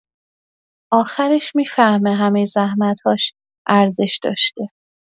آخرش می‌فهمه همه زحمت‌هاش ارزش داشته.